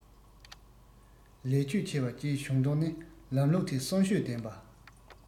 ལས ཕྱོད ཆེ བ བཅས བྱུང དོན ནི ལམ ལུགས དེ གསོན ཤུགས ལྡན པ